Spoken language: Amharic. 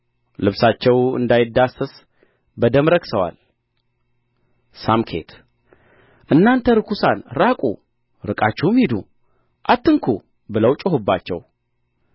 ልብሳቸው እንዳይዳሰስ በደም ረክሰዋል ሳምኬት እናንተ ርኩሳን ራቁ ርቃችሁም ሂዱ አትንኩ ብለው ጮኹባቸው